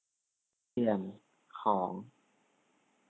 เปลี่ยนของ